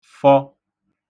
fọ